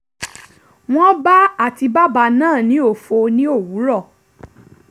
Wọ́n bá àtíbàbà náà ní òfo ní òwúrọ̀.